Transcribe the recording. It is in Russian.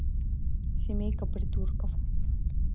семейка придурков